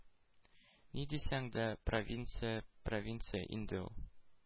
Ни дисәң дә, ”провинция“ провинция инде ул.